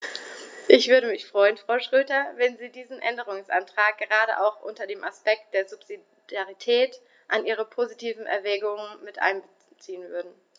Ich würde mich freuen, Frau Schroedter, wenn Sie diesen Änderungsantrag gerade auch unter dem Aspekt der Subsidiarität in Ihre positiven Erwägungen mit einbeziehen würden.